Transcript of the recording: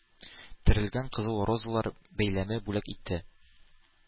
Төрелгән кызыл розалар бәйләме бүләк итте.